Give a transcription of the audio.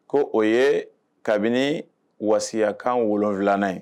Ko o ye kabini wayakan wolon wolonwula ye